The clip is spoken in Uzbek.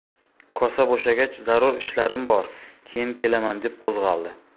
kosa bo'shagach zarur ishlarim bor keyin kelaman deb qo'zg'aldi